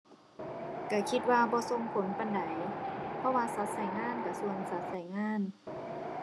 ก็คิดว่าบ่ส่งผลปานใด เพราะว่าสัตว์ก็งานก็ส่วนสัตว์ก็งาน